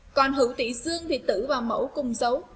con hữu tỉ dương thì tử và mẫu cùng dấu